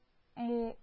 Му